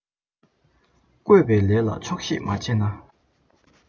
བཀོད པའི ལས ལ ཆོག ཤེས མ བྱས ན